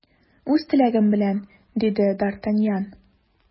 Үз теләгем белән! - диде д’Артаньян.